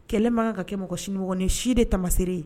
Kɛlɛ mankan kan ka kɛ mɔgɔ si mɔgɔninfin si de taamaseere ye